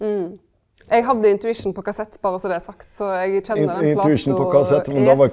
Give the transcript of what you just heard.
eg hadde Intuition på kassett, berre så det er sagt, så eg kjenner den plata yes.